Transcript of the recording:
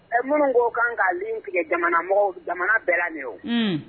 Ɛɛ minnu ko kan ka tigɛ jamana jamana bɛɛ de o